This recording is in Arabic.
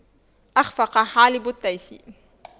أَخْفَقَ حالب التيس